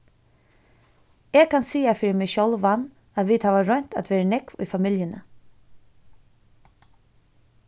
eg kann siga fyri meg sjálvan at vit hava roynt at verið nógv í familjuni